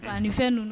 Tan ni fɛn don